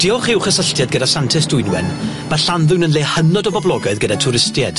Diolch i'w chysylltiad gyda Santes Dwynwen, ma' Llanddwyn yn le hynod o boblogaidd gyda twristied.